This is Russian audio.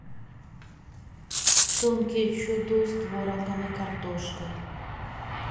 тонкие чуду с творогом и картошкой